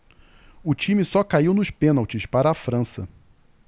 o time só caiu nos pênaltis para a frança